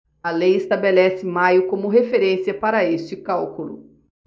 a lei estabelece maio como referência para este cálculo